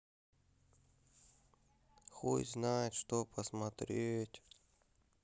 хуй знает что посмотреть